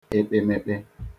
ekpemekpe